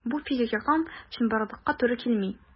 Бу физик яктан чынбарлыкка туры килми.